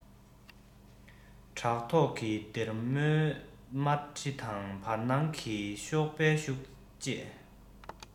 བྲག ཐོག གི སྡེར མོའི དམར དྲི དང བར སྣང གི གཤོག པའི ཤུལ རྗེས